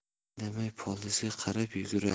indamay polizga qarab yuguradi